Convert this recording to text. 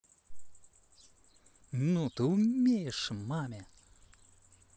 ну ты умеешь маме